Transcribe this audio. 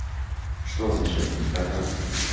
что означают индикаторы